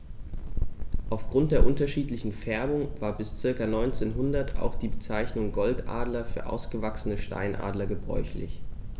Auf Grund der unterschiedlichen Färbung war bis ca. 1900 auch die Bezeichnung Goldadler für ausgewachsene Steinadler gebräuchlich.